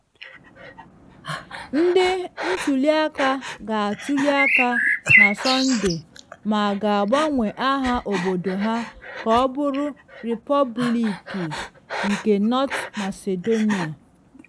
Ndị ntuli aka ga-atuli aka na Sọnde ma a ga-agbanwe aha obodo ha ka ọ bụrụ “Repọbliki nke North Macedonia.”